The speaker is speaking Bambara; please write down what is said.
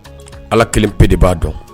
Ala kelen pe de b'a dɔn